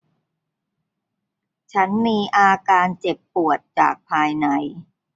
ฉันมีอาการเจ็บปวดจากภายใน